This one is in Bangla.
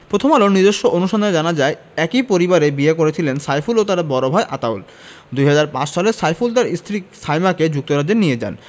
প্রথম আলোর নিজস্ব অনুসন্ধানে জানা যায় একই পরিবারে বিয়ে করেছিলেন সাইফুল ও তাঁর বড় ভাই আতাউল ২০০৫ সালে সাইফুল তাঁর স্ত্রী সায়মাকে যুক্তরাজ্যে নিয়ে যান